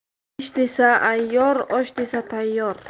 ish desa ayyor osh desa tayyor